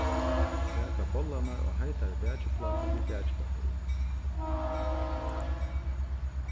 baka bollarnar á heitari bakiplátu við bakipappíri